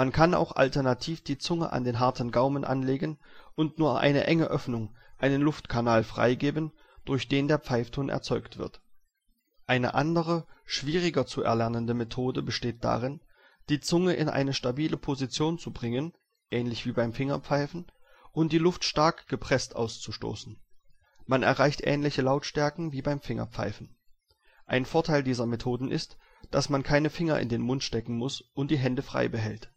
kann auch alternativ die Zunge an den harten Gaumen anlegen und nur eine enge Öffnung (einen Luftkanal) freigeben, durch den der Pfeifton erzeugt wird. Eine andere – schwieriger zu erlernende Methode – besteht darin, die Zunge in eine stabile Position zu bringen (ähnlich wie beim Fingerpfeifen) und die Luft stark gepresst auszustoßen. Man erreicht ähnliche Lautstärken wie beim Fingerpfeifen. Ein Vorteil dieser Methoden ist, dass man keine Finger in den Mund stecken muss und die Hände frei behält